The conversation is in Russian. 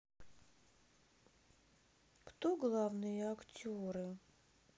кто главные актеры